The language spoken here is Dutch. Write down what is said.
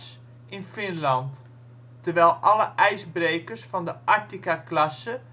Finland, terwijl alle ijsbrekers van de Arktika-klasse